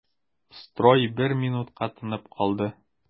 Строй бер минутка тынып калды.